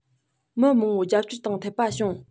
མི མང པོའི རྒྱབ སྐྱོར དང འཐད པ བྱུང